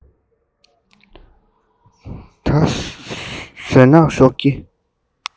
ད བཟོད སྣག ཤོག གི